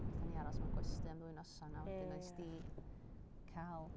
Wnaethon ni aros mewn gwesty am ddwy noson a wedyn... Ie. ...wnes 'di cael...